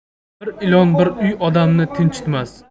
bir ilon bir uy odamni tinchitmas